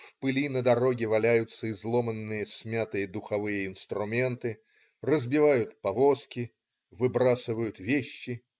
В пыли на дороге валяются изломанные, смятые духовые инструменты. Разбивают повозки. Выбрасывают вещи.